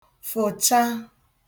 fùcha